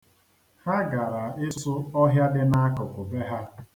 Ha gara ịsụ ọhịa dị n'akụkụ be ha.